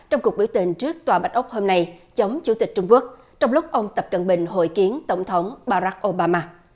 trong cuộc biểu tình trước tòa bạch ốc hôm nay chống chủ tịch trung quốc trong lúc ông tập cận bình hội kiến tổng thống ba rắc ô ba ma